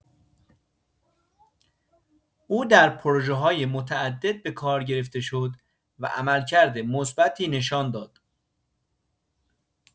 او در پروژه‌های متعدد به کار گرفته شد و عملکرد مثبتی نشان داد.